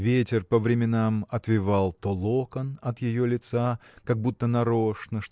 Ветер по временам отвевал то локон от ее лица как будто нарочно